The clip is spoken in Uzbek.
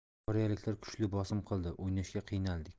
koreyaliklar kuchli bosim qildi o'ynashga qiynaldik